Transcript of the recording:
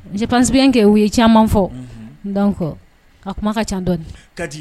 Jipsi kɛ u ye caman fɔ kɔ a kuma ka ca dɔ